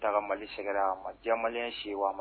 Ta ka Mali sɛgɛrɛ a ma diya maliyɛn si ye wa